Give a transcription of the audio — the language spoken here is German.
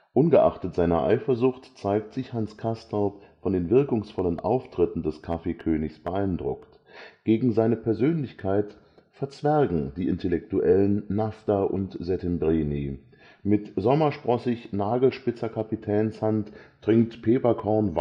Ungeachtet seiner Eifersucht zeigt sich Hans Castorp von den wirkungsvollen Auftritten des „ Kaffeekönigs “beeindruckt. Gegen seine Persönlichkeit „ verzwergen “die Intellektuellen Naphta und Settembrini. Mit „ sommersprossig-nagelspitzer Kapitänshand “trinkt Peeperkorn